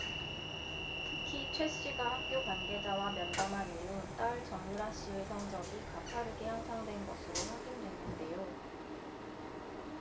특히 최 씨가 학교 관계자와 면담한 이후 딸 정유라 씨의 성적이 가파르게 향상된 것으로 확인됐는데요